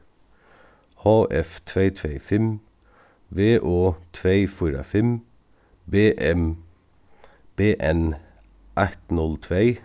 h f tvey tvey fimm v o tvey fýra fimm v m b n eitt null tvey